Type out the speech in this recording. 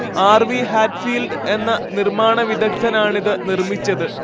R V Hatfield എന്ന നിർമ്മാണ വിദഗ്‌ധനാണിത് നിർമ്മിച്ചത്